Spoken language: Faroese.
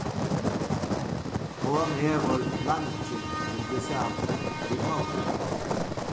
hon hevur leingi hildið saman við pól